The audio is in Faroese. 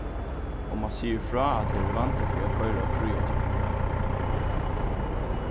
og mann sigur frá at her er vandi fyri at koyra á kríatúr